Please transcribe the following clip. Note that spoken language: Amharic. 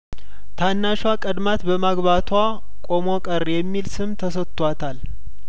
ታናሿ ቀድማት በማግባቷ ቆሞ ቀር የሚል ስም ተሰቷታል